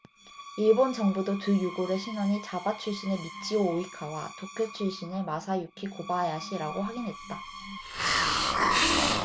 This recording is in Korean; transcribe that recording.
일본 정부도 두 유골의 신원이 지바 출신의 미치오 오이카와 도쿄 출신의 마사유키 고바야시라고 확인했다